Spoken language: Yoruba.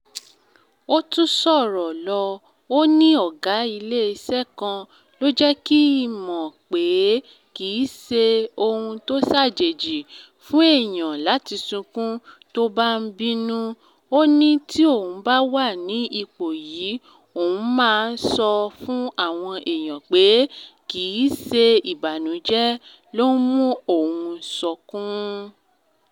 Ó tún sọ̀rọ̀ lọ. Ó ní,”Ọ̀gá ilé-iṣẹ́ kan ló jẹ́ ki i mò pé kì í ṣe ohun tó ṣàjèjì fún èèyàn láti sunkún tó bá ń binú. Ó ní tí òun bá wà ní ipò yí òun máa sọ fún àwọn èèyàn pé kì í se ìbànújẹ́ ló ń mú òun sọkún.